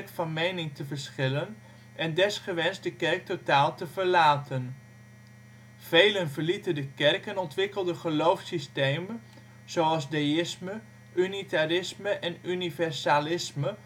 van mening verschillen en desgewenst de kerk totaal verlaten. Velen verlieten de kerk en ontwikkelden geloofssystemen zoals deïsme, unitarisme, en universalisme